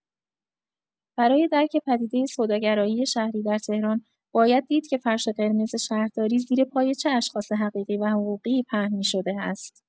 برای درک پدیدۀ سوداگرایی شهری در تهران باید دید که فرش قرمز شهرداری زیر پای چه اشخاص حقیقی و حقوقی‌ای پهن می‌شده است؟